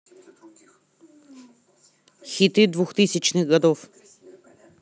хиты двухтысячных годов